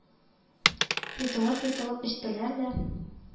Йотылып-йотылып эчтеләр дә,